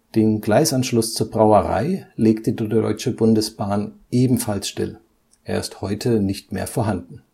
Den Gleisanschluss zur Brauerei legte die Deutsche Bundesbahn ebenfalls still, er ist heute nicht mehr vorhanden